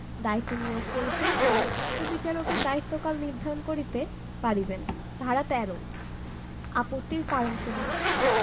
দায়িত্বে নিয়োগ করিতে এবং উক্ত বিচারকের দায়িত্বকাল নির্ধারণ করিতে পারিবেন ধারা ১৩ আপত্তির কারণসমূহ